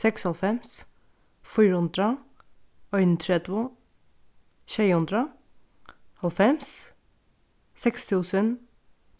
seksoghálvfems fýra hundrað einogtretivu sjey hundrað hálvfems seks túsund